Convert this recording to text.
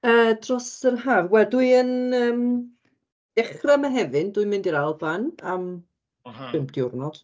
Yy dros yr Haf? Wel dwi yn yym dechra Mehefin dwi'n mynd i'r Alban am... aha... 5 diwrnod.